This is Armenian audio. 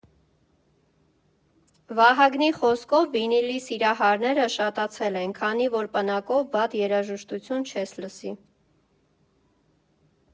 Վահագնի խոսքով՝ վինիլի սիրահարները շատացել են, քանի որ պնակով վատ երաժշտություն չես լսի։